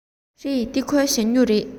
རེད འདི ཁོའི ཞ སྨྱུག རེད